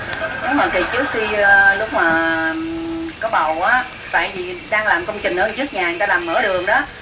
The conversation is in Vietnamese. đúng rồi kì trước khi a lúc mà có bầu á tại vì đang làm công trình ở trước nhà người ta là mở đường á